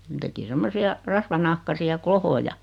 ne teki semmoisia rasvanahkaisia klohoja